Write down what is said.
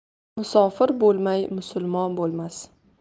musofir bo'lmay musulmon bo'lmas